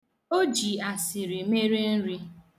O ji asịrị mere nri.